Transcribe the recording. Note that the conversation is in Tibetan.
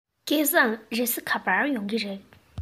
སྐལ བཟང རེས གཟའ ག པར ཡོང གི རེད